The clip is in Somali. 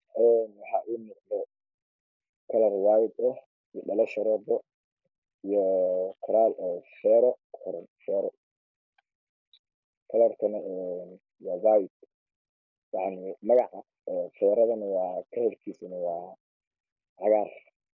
Een waxa iimuqdo kalarwayd ahiyo dhalo shorobo ah iyo qoralkaqoran feero magacan feerada kalarkiwaa cagaar